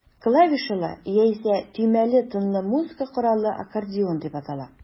Клавишалы, яисә төймәле тынлы музыка коралы аккордеон дип атала.